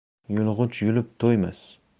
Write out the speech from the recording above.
yulg'ich yulib to'ymas